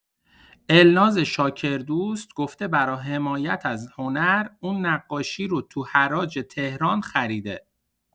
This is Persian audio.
الناز شاکردوست گفته برا حمایت از هنر اون نقاشی رو تو حراج تهران خریده.